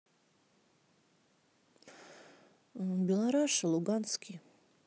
белораша луганский